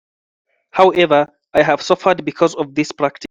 However, I have suffered because of this practice.